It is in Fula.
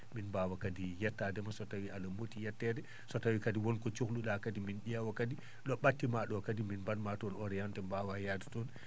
min mbawa kadi yettadema so tawi a?a mooti yettede so tawi kadi wonko cohlu?a kadi min ?ewa kadi ?o ?attima ?o kadi min mbaɗ ma toon orienté mbaawa yahde toon